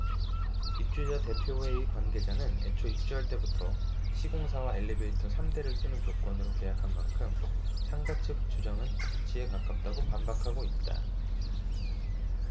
입주자 대표회의 관계자는 애초 입주할 때부터 시공사와 엘리베이터 삼 대를 쓰는 조건으로 계약한 만큼 상가 측 주장은 억지에 가깝다고 반박하고 있다